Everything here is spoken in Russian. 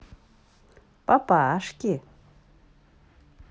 папашки